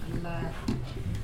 N